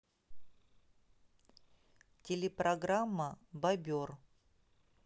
телепрограмма бобер